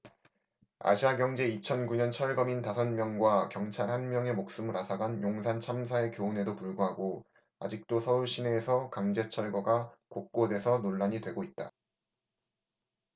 아시아경제 이천 구 년 철거민 다섯 명과 경찰 한 명의 목숨을 앗아간 용산참사의 교훈에도 불구하고 아직도 서울 시내에서 강제철거가 곳곳에서 논란이 되고 있다